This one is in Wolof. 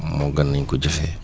moo gën nañ ko jëfee